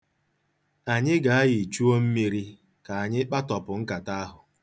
Anyị ga-ayị chuo mmiri ka anyị kpatọpụ nkata ahụ.